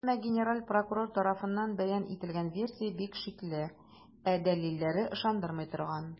Әмма генераль прокурор тарафыннан бәян ителгән версия бик шикле, ә дәлилләре - ышандырмый торган.